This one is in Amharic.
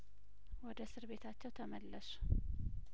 ወደ እስር ቤታቸው ተመለሱ